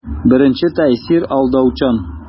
Беренче тәэсир алдаучан.